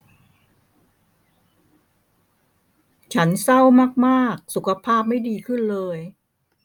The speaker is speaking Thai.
ฉันเศร้ามากมากสุขภาพไม่ดีขึ้นเลย